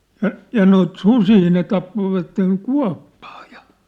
ja ja noita susia ne tappoivat kuoppaan ja